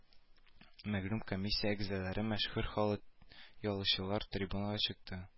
Мәгълүм комиссия әгъзалары мәшһүр халыкъялчылар трибунага чыкты